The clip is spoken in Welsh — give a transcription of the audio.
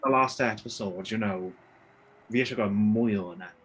The last episode you know fi isie gweld mwy o hwnna.